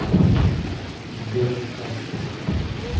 сбер cast